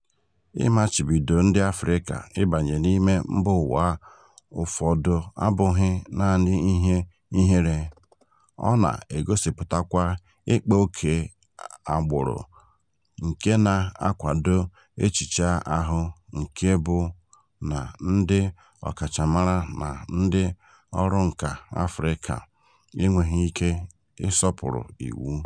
Ịmachibido ndị Afrịka ịbanye n'ime mbaụwa ụfọdụ abụghị naanị ihe ihere — ọ na-egosipụtakwa ịkpa ókè agbụrụ nke na-akwado echiche ahụ nke bụ na ndị ọkachamara na ndị ọrụnkà Afrịka enweghị ike ịsọpụrụ iwu.